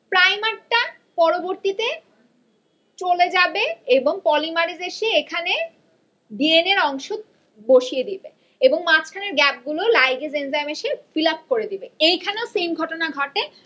primer টা পরবর্তিতে চলে যাবে এবং পলিমারেজ এসে এখানে ডি এন এর অংশ বসিয়ে দেবে এবং মাঝখানের গ্যাপ গুলো লাইগেজ এনজাইম এসে ফিল আপ করে দিবে এইখানেও সেইম ঘটনা ঘটে